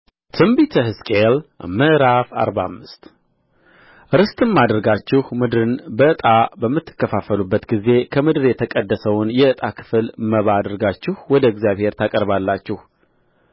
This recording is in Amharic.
በትንቢተ ሕዝቅኤል ምዕራፍ አርባ አምስት ርስትም አድርጋችሁ ምድርን በዕጣ በምታካፍሉበት ጊዜ ከምድር የተቀደሰውን የዕጣ ክፍል መባ አድርጋችሁ ወደ እግዚአብሔር ታቀርባላችሁ